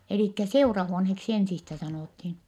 eli seurahuoneeksi ensistä sanottiin